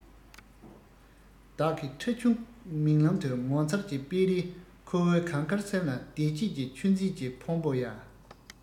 བདག གི ཁྲ ཆུང མིག ལམ དུ ངོ མཚར གྱི དཔེ རིས ཁོ བོའི གངས དཀར སེམས ལ བདེ སྐྱིད ཀྱི ཆུ འཛིན གྱི ཕོན པོ ཡ